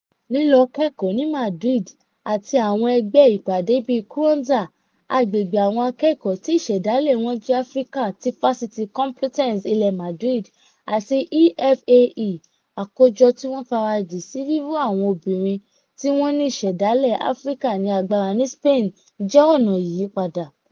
Lílọ kẹ́kọ̀ọ́ ní Madrid àti àwọn ẹgbẹ́ ìpàdé bíi Kwanzza [àgbègbè àwọn akẹ́kọ̀ọ́ tí ìṣẹ̀dálẹ̀ wọ́n jẹ́ Áfríkà ti Fásitì Complutense ilẹ̀ Madrid] àti E.F.A.E [àkójọ tí wọ́n f'ara jìn sí 'ríró àwọn obìnrin tí wọ́n ní ìṣẹ̀dálẹ̀ Áfríkà ní agbára' ní Spain] jẹ́ ọ̀nà ìyípadà.